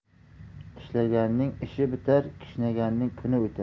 ishlaganning ishi bitar kishnaganning kuni o'tar